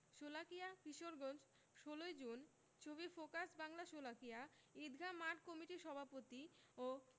শোলাকিয়া কিশোরগঞ্জ ১৬ ই জুন ছবি ফোকাস বাংলাশোলাকিয়া ঈদগাহ মাঠ কমিটির সভাপতি ও